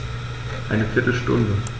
Eine viertel Stunde